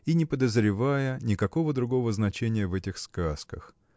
и не подозревая никакого другого значения в этих сказках.